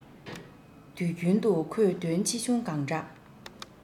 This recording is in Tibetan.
དུས རྒྱུན དུ ཁོས དོན ཆེ ཆུང གང འདྲ